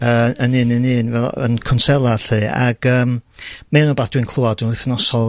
yy yn un yn un, fel yn cwnsela 'lly, ag yym mae'n rwbath dwi'n clwad yn wythnosol